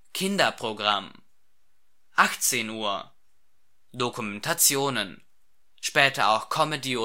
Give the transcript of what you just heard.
Kinderprogramm 18:00 Dokumentationen (später auch Comedy